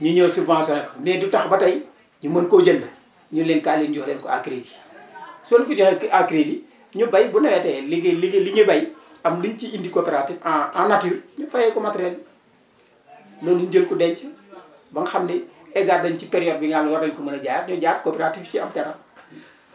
ñu ñëw subventionné ko mais du tax ba tey ñu mën koo jënd ñu ne leen kaay leen ñu jox leen ko à crédit soo leen ko joxee à crédit ñu béy bu nawetee li ngeen li ngeen li ñu béy am li ñu ci indi coopérative en en nature ñu fayee ko matériel bi loolu ñu jël ko denc nga xam ne eggaat nañu ci période bi nga xam ne war nañu ko mën a jaayaat ñu jaayaat coopérative di ci am dara